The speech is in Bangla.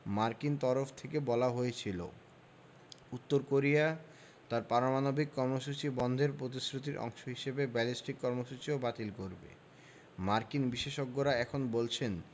মার্কিন তরফ থেকে বলা হয়েছিল উত্তর কোরিয়া তার পারমাণবিক কর্মসূচি বন্ধের প্রতিশ্রুতির অংশ হিসেবে ব্যালিস্টিক কর্মসূচিও বাতিল করবে মার্কিন বিশেষজ্ঞেরা এখন বলছেন